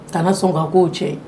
Ka na sɔn ka ko cɛ ye.